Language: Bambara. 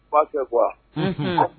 B'a fɛ quoi . Unhun!